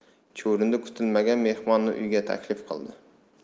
chuvrindi kutilmagan mehmonni uyga taklif qildi